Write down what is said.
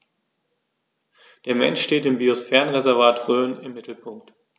Der Mensch steht im Biosphärenreservat Rhön im Mittelpunkt.